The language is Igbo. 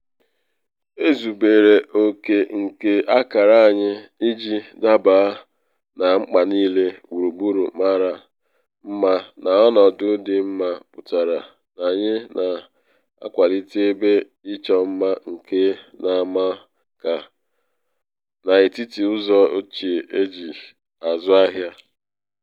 Ezubere oke nke akara anyị iji dabaa na mkpa niile, gburugburu mara mma na ọnọdụ dị mma pụtara na anyị na akwalite ebe ịchọ mma nke na ama aka n’etiti ụzọ ochie eji azụ ahịa.